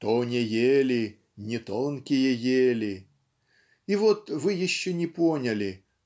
"То не ели, не тонкие ели". и вот вы еще не поняли